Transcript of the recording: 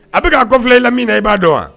A bɛka ka kɔfi i la min na i b'a dɔn wa